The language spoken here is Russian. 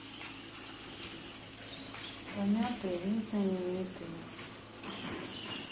помятые незнаменитые